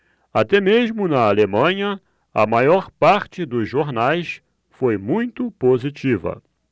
até mesmo na alemanha a maior parte dos jornais foi muito positiva